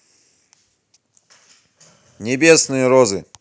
небесные розы